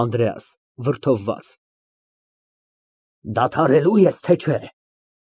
ԱՆԴՐԵԱՍ ֊ (Վրդովված) Դադարելո՞ւ ես, թե՞ չէ։